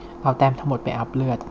เอาแต้มทั้งหมดไปอัพเลือด